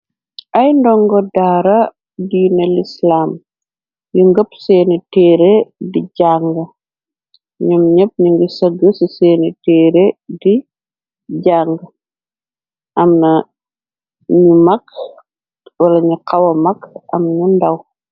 Ay ndongo daara diina lislam yu ngëpp seeni teere di jàng ñoom ñépp ni ngi sëgg ci seeni téere di jàng amna ñu mag wala ñu xawa mag am ñu ndaw.